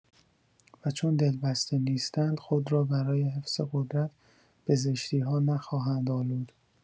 و چون دل‌بسته نیستند، خود را برای حفظ قدرت، به زشتی‌ها نخواهند آلود.